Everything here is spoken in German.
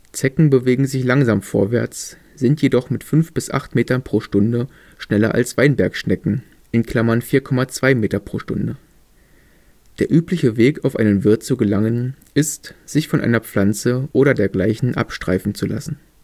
Zecken bewegen sich langsam vorwärts, sind jedoch mit 5 – 8 Metern pro Stunde schneller als Weinbergschnecken (4,2 Meter pro Stunde). Der übliche Weg auf einen Wirt zu gelangen, ist, sich von einer Pflanze oder dergleichen abstreifen zu lassen